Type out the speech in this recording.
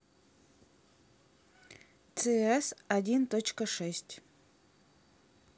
cs один точка шесть